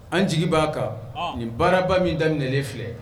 An jigi b'a kan nin baaraba min daminɛlen filɛ